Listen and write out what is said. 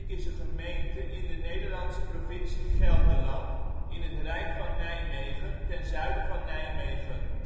is een gemeente in de Nederlandse provincie Gelderland, in het Rijk van Nijmegen, ten zuiden van Nijmegen